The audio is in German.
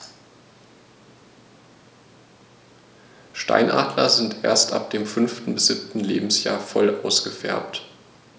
Steinadler sind erst ab dem 5. bis 7. Lebensjahr voll ausgefärbt.